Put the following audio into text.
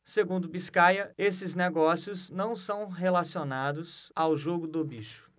segundo biscaia esses negócios não são relacionados ao jogo do bicho